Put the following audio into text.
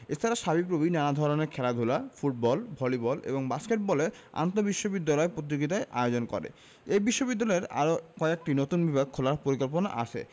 এছাড়া সাবিপ্রবি নানা ধরনের খেলাধুলা ফুটবল ভলিবল এবং বাস্কেটবলে আন্তঃবিশ্ববিদ্যালয় প্রতিযোগিতার আয়োজন করে এই বিশ্ববিদ্যালয়ের আরও কয়েকটি নতুন বিভাগ খোলার পরিকল্পনা আছে